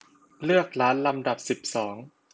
เลือกร้านลำดับสิบสอง